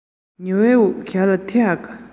ཡོད ཚད འཇམ ཐིང ཐིང ཡིན ན འང